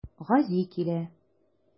Гази килә.